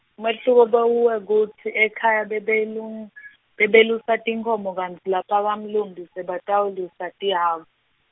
umehluko bewuwekutsi, ekhaya bebelung- bebelusa tinkhomo kantsi lapha kamlumbi sebatawelusa tihha-.